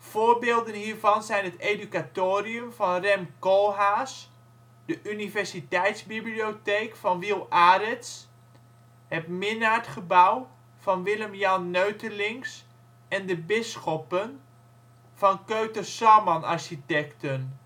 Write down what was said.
Voorbeelden hiervan zijn het Educatorium van Rem Koolhaas, de universiteitsbibliotheek van Wiel Arets, het Minnaertgebouw van Willem Jan Neutelings en De Bisschoppen van Köther-Salman Architekten